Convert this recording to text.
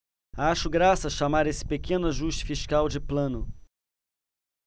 acho graça chamar esse pequeno ajuste fiscal de plano